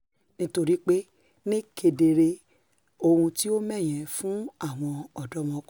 nítorípe ní kedere ohun ti o mẹ́hẹ̀ fún àwọn ọ̀dọ́mọkùrin.'